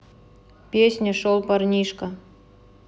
песня шел парнишка